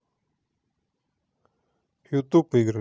ютюб игры